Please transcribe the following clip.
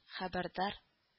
Хәбәрдар